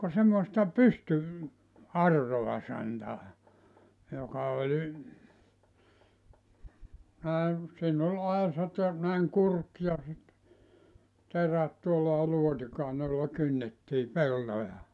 ka semmoista - pystyauraa santaa joka oli näin siinä oli aisat ja näin kurki ja sitten terät tuolla ja luotikainen jolla kynnettiin peltoja